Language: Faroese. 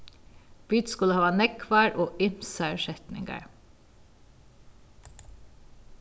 vit skulu hava nógvar og ymsar setningar